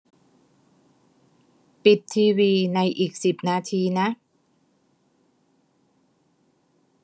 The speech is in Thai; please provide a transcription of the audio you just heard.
ปิดทีวีในอีกสิบนาทีนะ